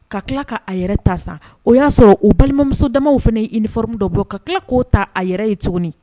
Ka tila ka a yɛrɛ ta san o y'a sɔrɔ u balimamusodamaw fana ye uniforme dɔ bɔ ka tila k'o ta a yɛrɛ ye tuguni